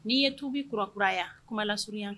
N'i ye tubi kura kuraya kumalasurunya